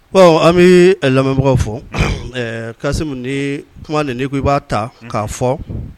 Bon an bɛ an lamɛnbagaw fɔ, Kasi kuma nin, n'i ko i b'a ta k'a fɔ